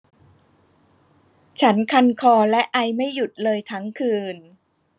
ฉันคันคอและไอไม่หยุดเลยทั้งคืน